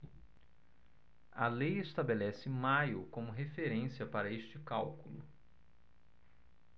a lei estabelece maio como referência para este cálculo